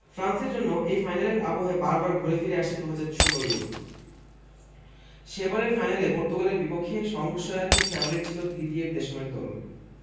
ফ্রান্সের জন্য এই ফাইনালের আবহে বারবার ঘুরে ফিরে আসছে ২০১৬ ইউরো সেবারের ফাইনালে পর্তুগালের বিপক্ষে সংশয়াতীত ফেভারিট ছিল দিদিয়ের দেশমের দল